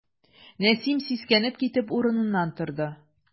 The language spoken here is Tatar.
Нәсим, сискәнеп китеп, урыныннан торды.